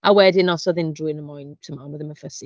A wedyn os oedd unrhywun yn moyn, timod, mae ddim yn fussy.